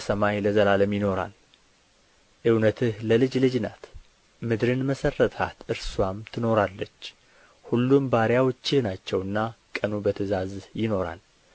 በሰማይ ለዘላለም ይኖራል እውነትህ ለልጅ ልጅ ናት ምድርን መሠረትሃት እርስዋም ትኖራለች ሁሉም ባሪያዎችህ ናቸውና ቀኑ በትእዛዝህ ይኖራል